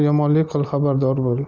yomonlik qil xabardor bo'l